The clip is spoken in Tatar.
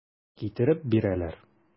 Китереп бирәләр.